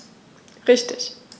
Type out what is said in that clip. Richtig